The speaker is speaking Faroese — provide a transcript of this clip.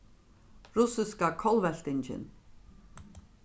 russiska kollveltingin